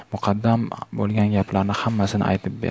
muqaddam bo'lgan gaplarning hammasini aytib berdi